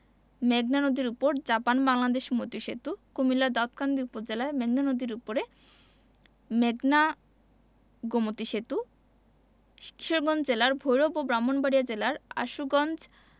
মেঘনা নদীর উপর জাপান বাংলাদেশ মৈত্রী সেতু কুমিল্লার দাউদকান্দি উপজেলায় মেঘনা নদীর উপর মেঘনা গোমতী সেতু কিশোরগঞ্জ জেলার ভৈরব ও ব্রাহ্মণবাড়িয়া জেলার আশুগঞ্জ